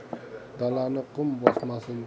dalani qum bosmasin